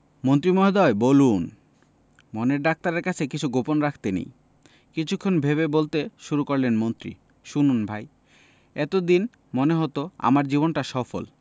মন্ত্রী মহোদয় বলুন মনের ডাক্তারের কাছে কিছু গোপন রাখতে নেই কিছুক্ষণ ভেবে বলতে শুরু করলেন মন্ত্রী শুনুন ভাই এত দিন মনে হতো আমার জীবনটা সফল